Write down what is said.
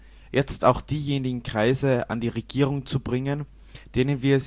diejenigen Kreise an die Regierung zu bringen, denen wir